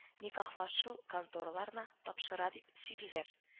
Никахлашу контораларына тапшыра дип сөйлиләр